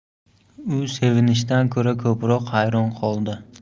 u sevinishdan ko'ra ko'proq hayron qoldi